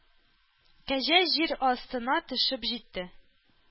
Кәҗә җир астына төшеп җитте